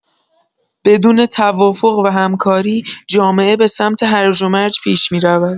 بدون توافق و همکاری، جامعه به سمت هرج‌ومرج پیش می‌رود.